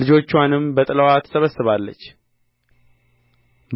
ልጆችዋንም በጥላዋ ትሰበስባለች